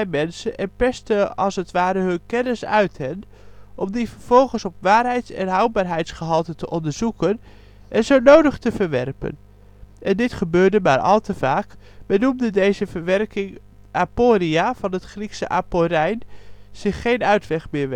mensen, en perste als het ware hun kennis uit hen, om die vervolgens op waarheids - en houdbaarheidsgehalte te onderzoeken en zonodig te verwerpen (en dit gebeurde maar al te vaak! Men noemde deze verwerping aporia, van het Griekse aporein: zich geen uitweg meer weten